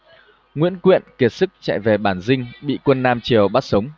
nguyễn quyện kiệt sức chạy về bản dinh bị quân nam triều bắt sống